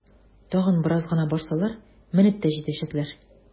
Тагын бераз гына барсалар, менеп тә җитәчәкләр!